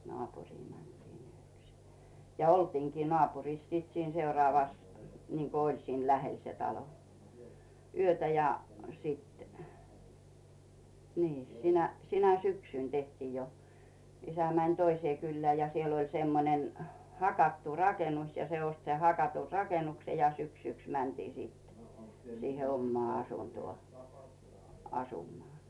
naapuriin mentiin yöksi ja oltiinkin naapurissa sitten siinä seuraavassa niin kuin oli siinä lähellä se talo yötä ja sitten niin sinä sinä syksynä tehtiin jo isä meni toiseen kylään ja siellä oli semmoinen hakattu rakennus ja se osti sen hakatun rakennuksen ja syksyksi mentiin sitten siihen omaan asuntoon asumaan